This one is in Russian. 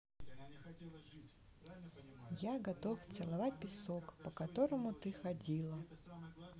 я готов целовать песок по которому ты ходила